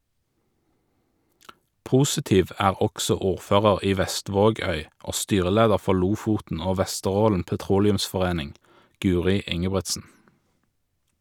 Positiv er også ordfører i Vestvågøy og styreleder for Lofoten og Vesterålen Petroleumsforening, Guri Ingebrigtsen.